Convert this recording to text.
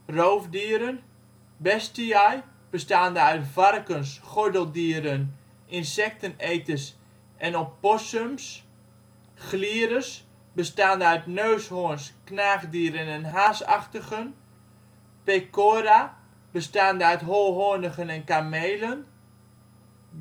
roofdieren), Bestiae (varkens, gordeldieren, insecteneters en opossums), Glires (neushoorns, knaagdieren en haasachtigen), Pecora (holhoornigen en kamelen), Belluae